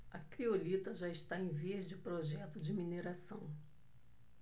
a criolita já está em vias de projeto de mineração